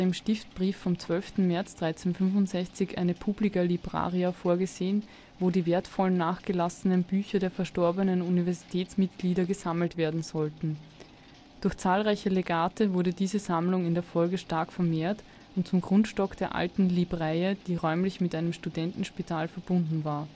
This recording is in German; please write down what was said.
Stiftbrief vom 12. März 1365 eine „ publica libraria “vorgesehen, wo die wertvollen nachgelassenen Bücher der verstorbenen Universitätsmitglieder gesammelt werden sollten. Durch zahlreiche Legate wurde diese Sammlung in der Folge stark vermehrt und zum Grundstock der alten „ Libreye “, die räumlich mit einem Studentenspital verbunden war